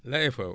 la FAO